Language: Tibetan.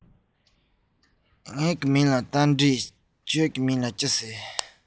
ངའི མིང ལ རྟ མགྲིན ཟེར གྱི ཡོད ཁྱེད རང གི མཚན ལ གང ཞུ གི ཡོད ན